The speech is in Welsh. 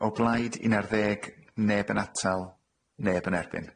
O blaid, un ar ddeg. Neb yn atal. Neb yn erbyn.